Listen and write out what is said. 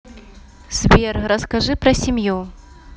сбер расскажи про семью